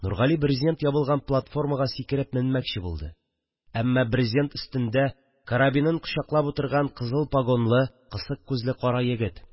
Нургали брезент ябылган платформага сикереп менмәкче булды, әммә брезент өстендә карабинын кочаклап утырган кызыл погонлы, кысык күзле кара егет